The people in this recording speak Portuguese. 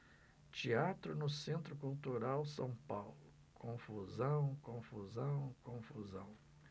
teatro no centro cultural são paulo confusão confusão confusão